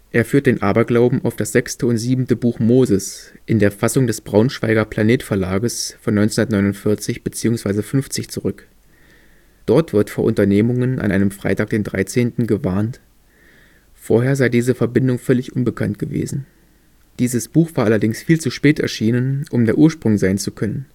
Er führt den Aberglauben auf das sechste und siebente Buch Moses in der Fassung des Braunschweiger Planet-Verlages von 1949 / 50 zurück. Dort wird vor Unternehmungen an einem Freitag dem 13. gewarnt. Vorher sei diese Verbindung völlig unbekannt gewesen. Dieses Buch war allerdings viel zu spät erschienen, um der Ursprung sein zu können